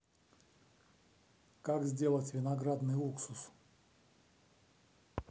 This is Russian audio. как сделать виноградный уксус